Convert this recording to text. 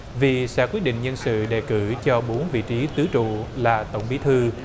vì sẽ quyết định nhân sự đề cử cho bốn vị trí tứ trụ là tổng bí thư